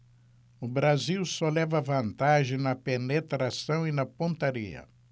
o brasil só leva vantagem na penetração e na pontaria